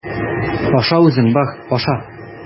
Аша үзең, бар, аша!